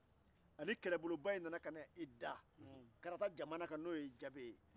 a ni kɛlɛboloba in nana i da karata jamana kan n'o ye jabe ye